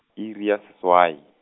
iri ya seswai.